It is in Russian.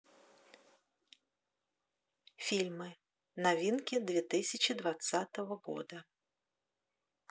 фильмы новинки две тысячи двадцатого года